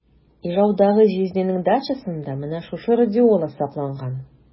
Ижаудагы җизнинең дачасында менә шушы радиола сакланган.